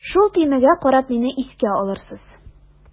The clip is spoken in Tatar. Шул төймәгә карап мине искә алырсыз.